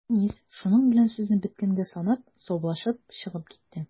Рәнис, шуның белән сүзне беткәнгә санап, саубуллашып чыгып китте.